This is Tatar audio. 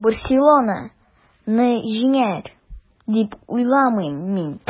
“барселона”ны җиңәр, дип уйламыйм мин.